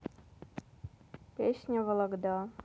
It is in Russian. песня вологда